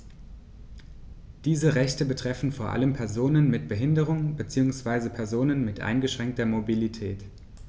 Diese Rechte betreffen vor allem Personen mit Behinderung beziehungsweise Personen mit eingeschränkter Mobilität.